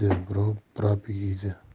birov burab yeydi